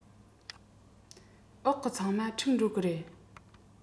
འོག གི ཚང མ འཁྲུག འགྲོ གི རེད